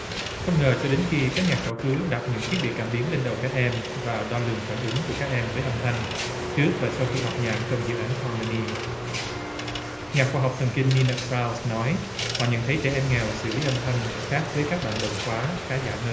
không ngờ cho đến khi các nhà khảo cứu đặt những thiết bị cảm biến lên đầu các em và đo lường phản ứng của các em với âm thanh trước và sau khi học nhạc trong dự án hon mê ni nhà khoa học thần kinh ni na cau nói họ nhận thấy trẻ em nghèo xử lý âm thanh khác với các bạn đồng khóa khá giả hơn